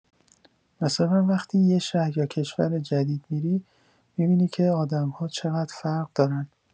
مثلا وقتی یه شهر یا کشور جدید می‌ری، می‌بینی که آدم‌ها چقدر فرق دارن.